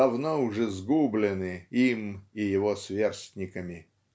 давно уже сгублены им и его сверстниками".